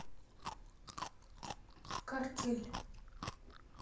картель